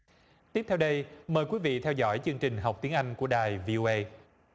tiếp theo đây mời quý vị theo dõi chương trình học tiếng anh của đài vi ô ây